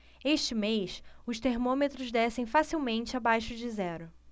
este mês os termômetros descem facilmente abaixo de zero